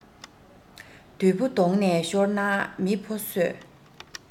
བདུད པོ དོང ནས ཤོར ན མི ཕོ གསོད